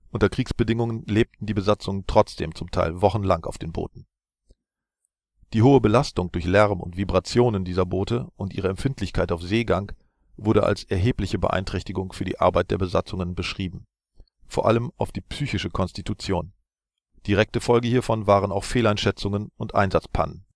unter Kriegsbedingungen lebten die Besatzungen trotzdem zum Teil wochenlang auf den Booten. Die hohe Belastung durch Lärm und Vibrationen dieser Boote und ihre Empfindlichkeit auf Seegang wurde als erhebliche Beeinträchtigung für die Arbeit der Besatzungen beschrieben, vor allem auf die psychische Konstitution. Direkte Folge hiervon waren auch Fehleinscheidungen und Einsatzpannen